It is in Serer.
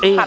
i